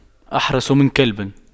أحرس من كلب